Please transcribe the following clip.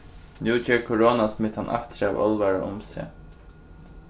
nú ger koronasmittan aftur av álvara um seg